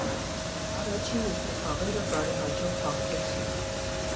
Առաջին երկու խաղերը բարեհաջող հաղթեցինք։